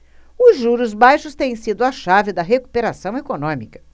os juros baixos têm sido a chave da recuperação econômica